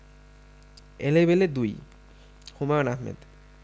Elebele ২ Humayun Ahmed